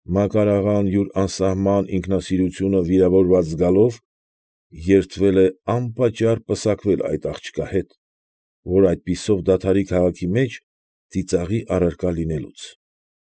Մակար աղան յուր անսահման ինքնասիրությունը վիրավորված զգալով, երդվել է անպատճառ պսակվել այդ աղջկա հետ, որ այդպիսով դադարի քաղաքի մեջ ծիծաղի առարկա լինելուց։